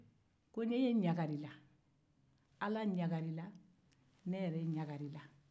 ne ɲagalila ala ɲagalila e ɲagalila